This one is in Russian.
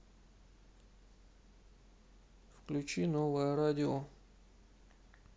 включи новое радио